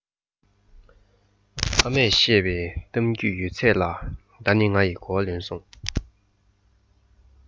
ཨ མས ང ལ བཤད པའི གཏམ རྒྱུད ཡོད ཚད ལ ད ནི ངང གིས གོ བ ལོན སོང